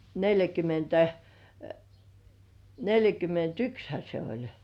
neljäkymmentä neljäkymmentäyksihän se oli